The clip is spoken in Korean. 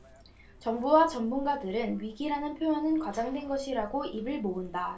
정부와 전문가들은 위기라는 표현은 과장된 것이라고 입을 모은다